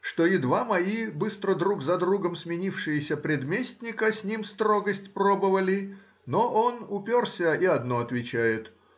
что и два мои быстро друг за другом сменившиеся предместника с ним строгость пробовали, но он уперся и одно отвечает